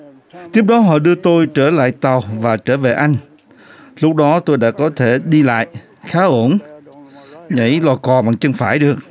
tiếp đó họ đưa tôi trở lại tàu và trở về anh lúc đó tôi đã có thể đi lại khá ổn nhảy lò cò bằng chân phải được